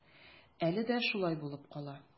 Әле дә шулай булып кала.